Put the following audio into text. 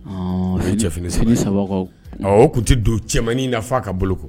A ye cɛ saba o tun tɛ don cɛmanmaninin na fɔ a ka boloko